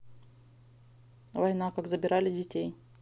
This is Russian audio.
война как забирали детей